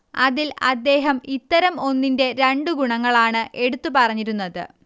അതിൽ അദ്ദേഹം ഇത്തരം ഒന്നിന്റെ രണ്ട് ഗുണങ്ങളാണ് എടുത്തു പറഞ്ഞിരുന്നത്